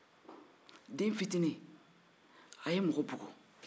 den fitinin ye mɔgɔ bugɔ